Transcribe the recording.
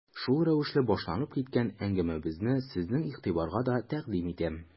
Шул рәвешле башланып киткән әңгәмәбезне сезнең игътибарга да тәкъдим итәм.